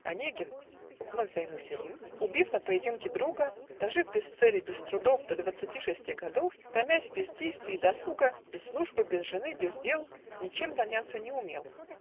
Онегин (вновь займуся им), Убив на поединке друга, Дожив без цели, без трудов До двадцати шести годов, Томясь в бездействии досуга Без службы, без жены, без дел, Ничем заняться не умел.